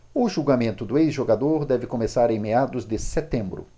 o julgamento do ex-jogador deve começar em meados de setembro